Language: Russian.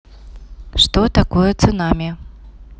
что такое цунами